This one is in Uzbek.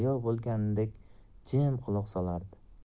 mahliyo bo'lgandek jim quloq solardi